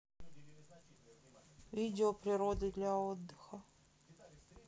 видео природы для отдыха